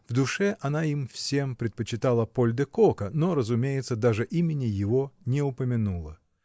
в душе она им всем предпочитала Поль де Кока, но, разумеется, даже имени его не упомянула.